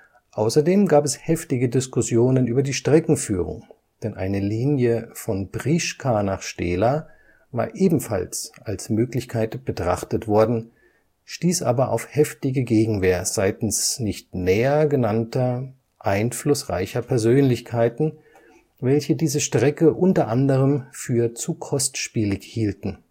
Außerdem gab es heftige Diskussionen über die Streckenführung, denn eine Linie von Prieschka nach Stehla war ebenfalls als Möglichkeit betrachtet worden, stieß aber auf heftige Gegenwehr seitens nicht näher genannter einflussreicher Persönlichkeiten, welche diese Strecke unter anderem für zu kostspielig hielten